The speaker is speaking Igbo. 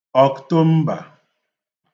Ọ̀ktombà